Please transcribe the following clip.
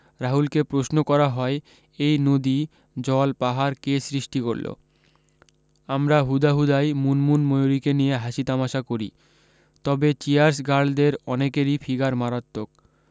রাহুলকে প্রশ্ন করা হয় এই নদী জল পাহাড় কে সৃষ্টি করলো আমরা হুদাহুদাই মুনমুন ময়ূরীকে নিয়ে হাসিতামাশা করি তবে চিয়ার্স গারলদের অনেকেরি ফিগার মারাত্মক